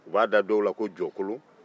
u b'a da dɔw la ko jɔkolon